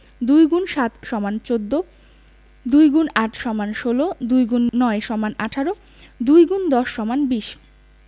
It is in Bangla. ২ X ৭ = ১৪ ২ X ৮ = ১৬ ২ X ৯ = ১৮ ২ ×১০ = ২০